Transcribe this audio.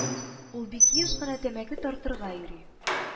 Ул бик еш кына тәмәке тартырга йөри